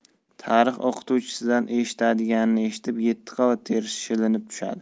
tarix o'qituvchisidan eshitadiganini eshitib yetti qavat terisi shilinib tushadi